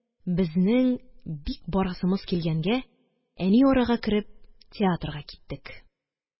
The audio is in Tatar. Безнең бик барасымыз килгәнгә, әни арага кереп, театрга киттек